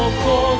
cố